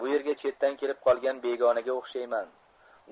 bu yerga chetdan kelib qolgan begonaga o'xshayman